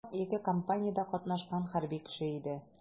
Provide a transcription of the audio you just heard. Бу карт ике кампаниядә катнашкан хәрби кеше иде.